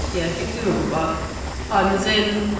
ie, fi fi ddim yn gwbod, ond as in...